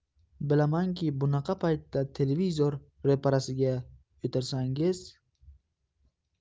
bilamanki bunaqa paytda televizor ro'parasiga o'tirsangiz